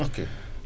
ok